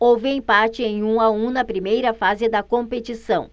houve empate em um a um na primeira fase da competição